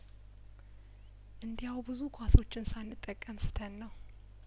እንዲያው ብዙ ኳሶችን ሳንጠቀም ስተን ነው